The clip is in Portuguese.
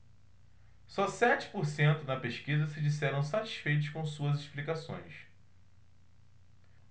só sete por cento na pesquisa se disseram satisfeitos com suas explicações